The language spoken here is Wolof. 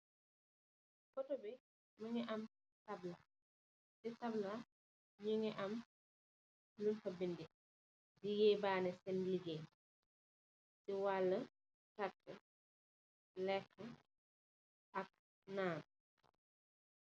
Foto bi mingi am tabla, si tabla nyingi am log fa binda, di yeebane sen ligaay si wale takk, lekk, ak naan